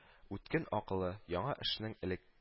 Үткен акылы яңа эшнең элек